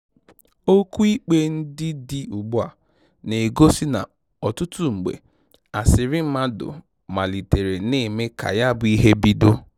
Okwu ikpe ndị dị ugbu a na-egosi na ọtụtụ mgbe asịrị mmadụ malitere na-eme ka ya bụ ihe bido.